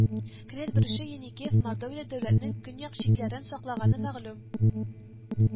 Князь брюшей еникеев мордовиядә дәүләтнең көньяк чикләрен саклаганы мәгълүм